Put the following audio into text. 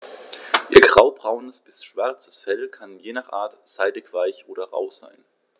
Ihr graubraunes bis schwarzes Fell kann je nach Art seidig-weich oder rau sein.